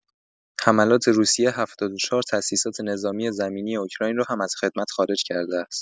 حملات روسیه ۷۴ تاسیسات نظامی زمینی اوکراین را هم از خدمت خارج کرده است.